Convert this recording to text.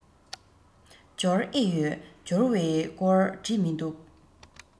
འབྱོར ཨེ ཡོད འབྱོར བའི སྐོར བྲིས མི འདུག